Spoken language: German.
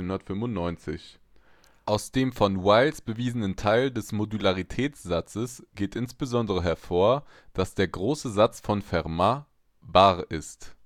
hatte (1995). Aus dem (von Wiles bewiesenen) Teil des Modularitätssatzes geht insbesondere hervor, dass der große Satz von Fermat wahr ist